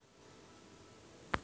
ворлд оф тенкс